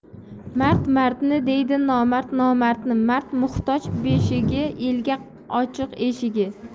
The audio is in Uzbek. mard mardni deydi nomard nomardni mard muhtoj beshigi elga ochiq eshigi